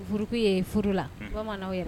Furuku ye furu la bamananw yɛrɛ